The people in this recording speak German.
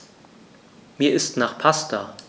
Mir ist nach Pasta.